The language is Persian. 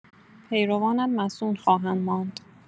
پیروانت مصون خواهند ماند.